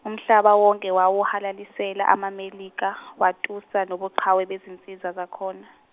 umhlaba wonke wawahalalisela amaMelika, watusa nobuqhawe bezinsizwa zakhona.